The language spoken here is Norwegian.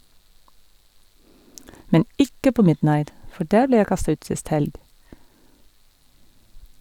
Men IKKE på Midnight , for der ble jeg kasta ut sist helg.